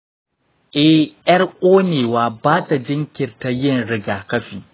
eh, ƴar ƙonewa ba ta jinkirta yin rigakafi.